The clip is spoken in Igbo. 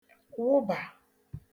wụbà